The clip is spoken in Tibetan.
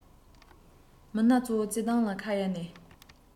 མི སྣ གཙོ བོ བརྩེ དུང ལ ཁ གཡར ནས